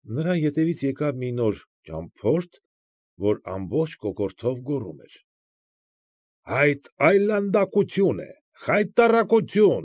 Նրա ետևից եկավ մի նոր ճամփորդ, որ ամբողջ կոկորդով գոռում էր. ֊ Այդ այլանդակություն է, խայտառակություն։